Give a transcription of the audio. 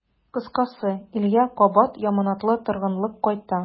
Кыскасы, илгә кабат яманатлы торгынлык кайта.